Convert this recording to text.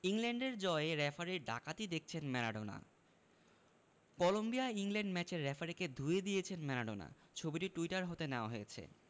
ইংল্যান্ডের জয়ে রেফারির ডাকাতি দেখছেন ম্যারাডোনা কলম্বিয়া ইংল্যান্ড ম্যাচের রেফারিকে ধুয়ে দিয়েছেন ম্যারাডোনা ছবিটি টুইটার হতে নেয়া হয়েছে